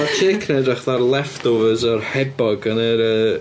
Ma'r chick yn edrych fatha leftovers o'r hebog yn yr yy...